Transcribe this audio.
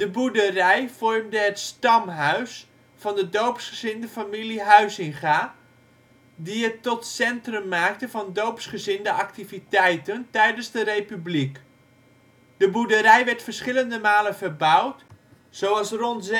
boerderij vormde het stamhuis van de doopsgezinde familie Huizinga, die het tot centrum maakten van doopsgezinde activiteiten tijdens de republiek. De boerderij werd verschillende malen verbouwd, zoals rond